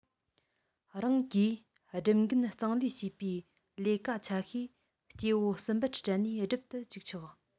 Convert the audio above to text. རང གིས སྒྲུབ འགན གཙང ལེན བྱས པའི ལས ཀ ཆ ཤས སྐྱེ བོ གསུམ པར སྤྲད ནས སྒྲུབ ཏུ བཅུག ཆོག